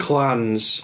Clans.